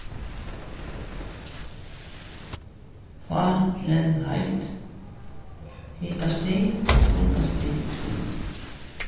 hitastig kuldastig og stig